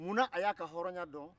munna a y'a ka hɔrɔnya dɔn